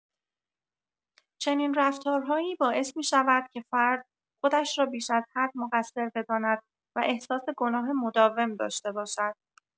چنین رفتارهایی باعث می‌شود که فرد خودش را بیش از حد مقصر بداند و احساس گناه مداوم داشته باشد.